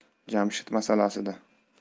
jamshid masalasida